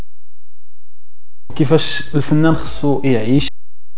الفنان